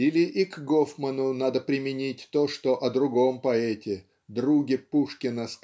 Или и к Гофману надо применить то что о другом поэте друге Пушкина